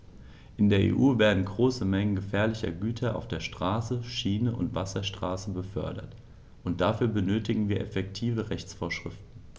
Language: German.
In der EU werden große Mengen gefährlicher Güter auf der Straße, Schiene und Wasserstraße befördert, und dafür benötigen wir effektive Rechtsvorschriften.